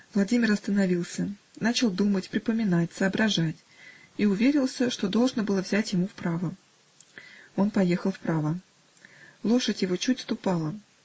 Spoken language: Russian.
Владимир остановился: начал думать, припоминать, соображать -- и уверился, что должно было взять ему вправо. Он поехал вправо. Лошадь его чуть ступала.